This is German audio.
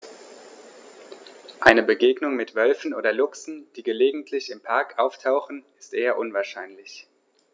Eine Begegnung mit Wölfen oder Luchsen, die gelegentlich im Park auftauchen, ist eher unwahrscheinlich.